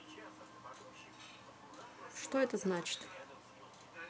что это значит